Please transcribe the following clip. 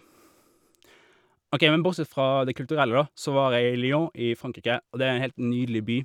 OK, men bortsett fra det kulturelle, da, så var jeg i Lyon i Frankrike, og det er en helt nydelig by.